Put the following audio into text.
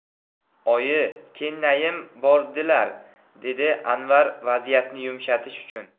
oyi kennayim bordilar dedi anvar vaziyatni yumshatish uchun